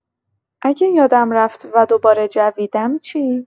اگه یادم رفت و دوباره جویدم چی؟